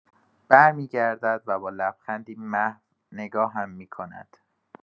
برمی‌گردد و با لبخندی محو نگاهم می‌کند.